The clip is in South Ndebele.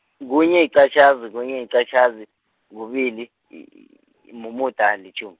kunye, liqatjhazi, kunye, liqatjhazi, kubili, mumuda, litjhumi.